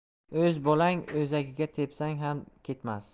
o'z bolang o'zagiga tepsang ham ketmas